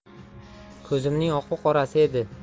ko'zimning oqu qorasi edi